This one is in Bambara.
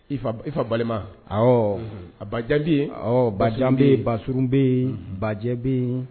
I fa i fa balima ɔ a ba jaabi ɔ baja bɛ basurun bɛyi bajɛ bɛ